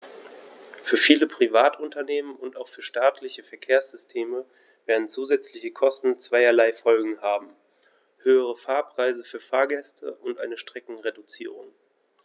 Für viele Privatunternehmen und auch für staatliche Verkehrssysteme werden zusätzliche Kosten zweierlei Folgen haben: höhere Fahrpreise für Fahrgäste und eine Streckenreduzierung.